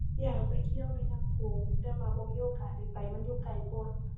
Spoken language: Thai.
อยากไปเที่ยวแม่น้ำโขง แต่ว่าบ่มีโอกาสได้ไป มันอยู่ไกลโพด